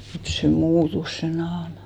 mutta se muuttui se naama